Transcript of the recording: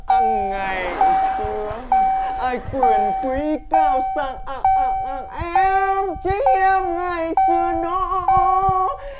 a ngày xưa ai quyền quý cao sang a a a a em chính em ngày xưa đó